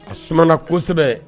A sumana kosɛbɛ